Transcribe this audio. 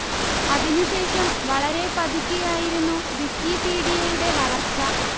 അതിനു ശേഷം വളരെ പതുക്കെ ആയിരുന്നു വിക്കിപീഡിയയുടെ വളർച്ച